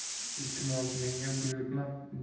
iltimos menga buyurtma